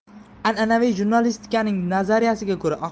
an anaviy jurnalistikaning nazariyasiga ko'ra